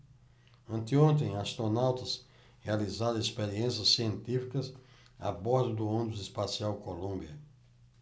anteontem astronautas realizaram experiências científicas a bordo do ônibus espacial columbia